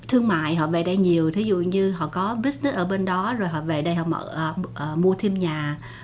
thương mại họ về đây nhiều thí dụ như họ có bít ở bên đó rồi họ về đây họ mở ờ ờ mua thêm nhà